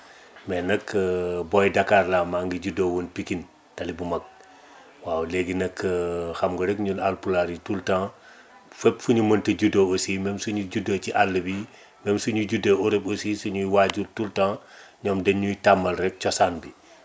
mais nag boy Dakar laa maa ngi juddoo woon Pikine talli bu mag waaw léegi nag xam nga rek ñun alpulaar yi tout le temps fépp fu ñu mënti juddoo aussi même suñu juddoo si àll bi même suñu juddoo Europe aussi suñuy waajur tout le temps ñoom dañ ñuy tàmmal rek cosaan bi